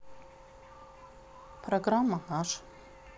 программа наш